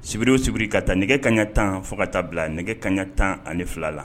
Sibiriw siribiri ka taa nɛgɛ kaɲa tan fo ka taa bila nɛgɛ kaɲa tan ani fila la